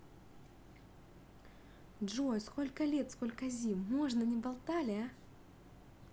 джой сколько лет сколько зим можно не болтали а